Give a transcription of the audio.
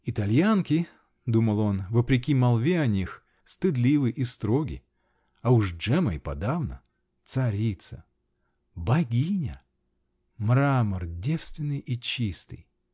"Итальянки, -- думал он, -- вопреки молве о них, стыдливы и строги. А уж Джемма и подавно! Царица. богиня. мрамор девственный и чистый .